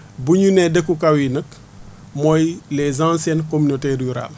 bu ñu nee dëkku kaw yi nag mooy les anciennes communautés rurales